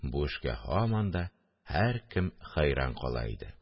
Бу эшкә һаман да һәркем хәйран кала иде